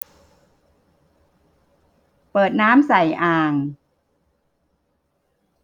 เปิดน้ำใส่อ่าง